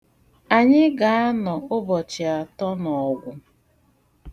Anyị ga-anọ ụbọchị atọ n'Ọgwụ.